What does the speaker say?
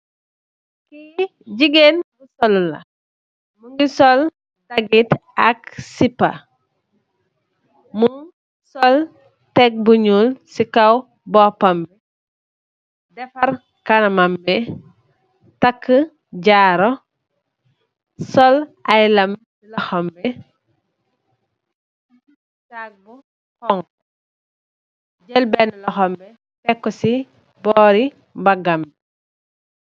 Kee jegain bu solu la muge sol dagete ak sepa mu sol tek bu njol se kaw bopam be defarr kanamam be take jaaru sol aye lam lohom be sacc bu hauhu jel bena lohom be take ku se bore magambe.